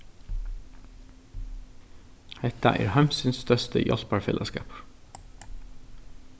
hetta er heimsins størsti hjálparfelagsskapur